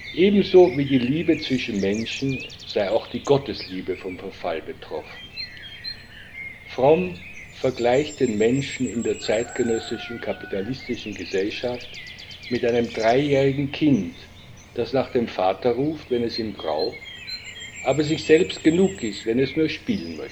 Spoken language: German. Ebenso wie die Liebe zwischen Menschen sei auch die Gottesliebe vom Verfall betroffen. Fromm vergleicht die Menschen in zeitgenössischen kapitalistischen Gesellschaften mit einem dreijährigen Kind, das nach dem Vater ruft, wenn es ihn braucht, aber sich selbst genug ist, wenn es nur spielen